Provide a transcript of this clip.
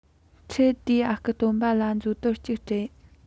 འཕྲལ དུ ཨ ཁུ སྟོན པ ལ མཛོ དོར གཅིག སྤྲད